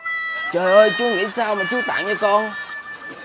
trời ơi chú nghĩ sao mà chú tặng cho con